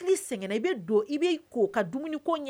Sɛgɛn i bɛ i ka dumuni